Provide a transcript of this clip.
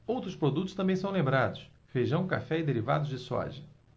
outros produtos também lembrados feijão café e derivados de soja